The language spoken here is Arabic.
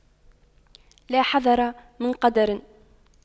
لا حذر من قدر